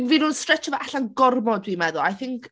Fydd nhw'n stretsio fo allan gormod dwi'n meddwl. I think...